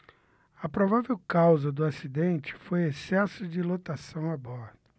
a provável causa do acidente foi excesso de lotação a bordo